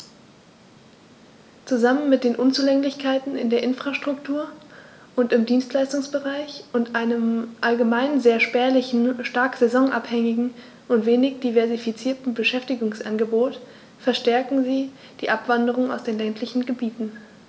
Zusammen mit den Unzulänglichkeiten in der Infrastruktur und im Dienstleistungsbereich und einem allgemein sehr spärlichen, stark saisonabhängigen und wenig diversifizierten Beschäftigungsangebot verstärken sie die Abwanderung aus den ländlichen Gebieten.